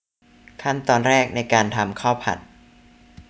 ขั้นตอนแรกในการทำข้าวผัด